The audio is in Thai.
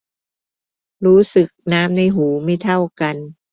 รู้สึกน้ำในหูไม่เท่ากัน